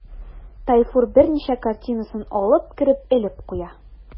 Тайфур берничә картинасын алып кереп элеп куя.